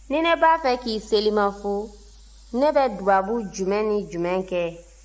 ni ne b'a fɛ k'i selimafo ne bɛ dubabu jumɛn ni jumɛn kɛ